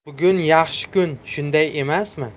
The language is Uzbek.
bugun yaxshi kun shunday emasmi